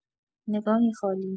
نگاهی خالی